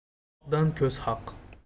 quloqdan ko'z haq